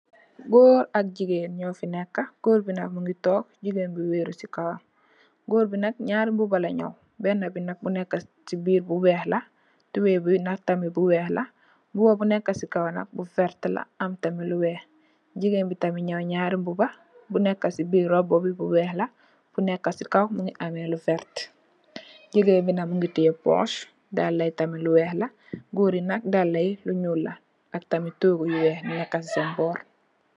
Gór ak jigeen ñu fi nekka, gór bi nak mugii tóóg jigeen bi wèru ci kawam. Gór bi nak ñaari mbuba la ñaw benna bi nak bu nèkka ci biir bu wèèx la tubay bi tam bu wèèx la, mbuba bu nèkka ci kaw nak bu werta la am tamit lu wèèx, jigeen bi tam ñaw ñaari mbuba, bu nèkka ci biir róbba bi bu wèèx la, bu nèkka ci kaw mugii ameh lu werta. Jigeen bi nak mugii teyeh poss, dalla tam lu wèèx la, gór gi nak dalla yi lu ñuul la ak tamit tóógu yu wèèx nèkka ci sèèn bor.